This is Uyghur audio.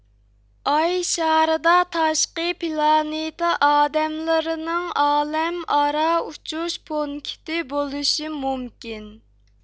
ئاي شارىدا تاشقى پلانېتا ئادەملىرىنىڭ ئالەم ئارا ئۇچۇش پونكىتى بولۇشى مۇمكىن